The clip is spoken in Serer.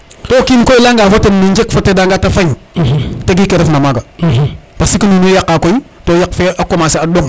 to o kiin koy o leya nga fo ten no njek fo tedanga te fañ tegi ke refa maga parce que :frq koy nuun way yaqa koy to yaq fe o commencer a ɗom